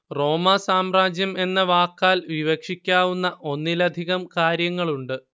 റോമാ സാമ്രാജ്യം എന്ന വാക്കാല്‍ വിവക്ഷിക്കാവുന്ന ഒന്നിലധികം കാര്യങ്ങളുണ്ട്